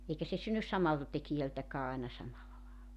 eikä se synny samalta tekijältäkään aina samalla lailla